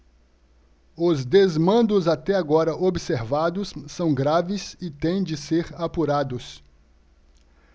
os desmandos até agora observados são graves e têm de ser apurados